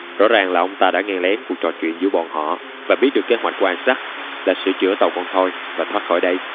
rõ ràng là ông ta đã nghe lén cuộc trò chuyện giữa bọn họ và biết được kế hoạch của isaac là sửa chữa tàu con thoi và thoát khỏi đây